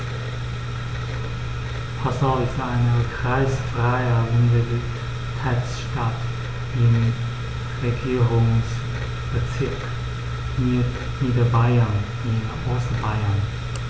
Passau ist eine kreisfreie Universitätsstadt im Regierungsbezirk Niederbayern in Ostbayern.